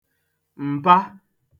m̀pa